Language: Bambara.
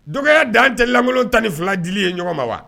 Dɔgɔya dan tɛ lankolon tan ni fila di ye ɲɔgɔn ma wa